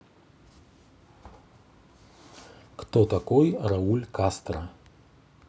кто такой рауль кастро